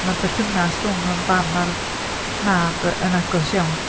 ma'r berthynas rhwng yr fam a'r mab, yy, yn agos iawn.